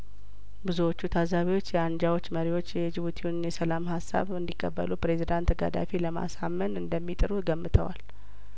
ብዙዎቹ ታዛቢዎች የአንጃዎች መሪዎች የጅቡቲውን የሰላም ሀሳብ እንዲቀበሉ ፕሬዝዳንት ጋዳፊ ለማሳመን እንደሚጥሩ ገምተዋል